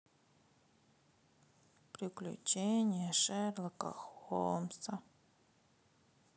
приключения шерлока холмса